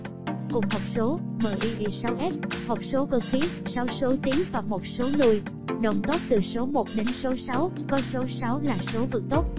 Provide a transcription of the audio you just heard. cùng hộp số myy s hộp số cơ khí số tiến và số lùi đồng tốc từ số đến số có số là số vượt tốc